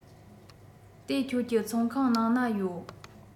དེ ཁྱོད ཀྱི ཚོང ཁང ནང ན ཡོད